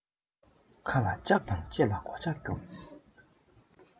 ཁ ལ ལྕགས དང ལྕེ ལ སྒོ ལྕགས རྒྱོབ